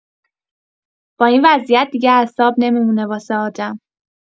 با این وضعیت دیگه اعصاب نمی‌مونه واسه آدم.